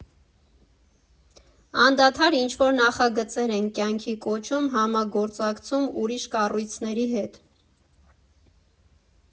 Անդադար ինչ֊որ նախագծեր ենք կյանքի կոչում, համագործակցում ուրիշ կառույցների հետ։